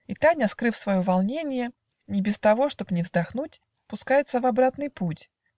И Таня, скрыв свое волненье, Не без того, чтоб не вздохнуть, Пускается в обратный путь.